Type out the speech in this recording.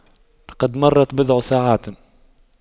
لقد مرت بضع ساعات